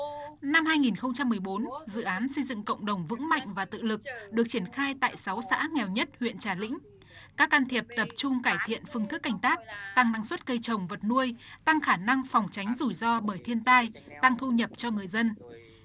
năm hai nghìn không trăm mười bốn dự án xây dựng cộng đồng vững mạnh và tự lực được triển khai tại sáu xã nghèo nhất huyện trà lĩnh các can thiệp tập trung cải thiện phương thức canh tác tăng năng suất cây trồng vật nuôi tăng khả năng phòng tránh rủi ro bởi thiên tai tăng thu nhập cho người dân